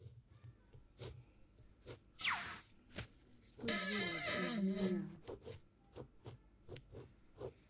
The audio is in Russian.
что делать без меня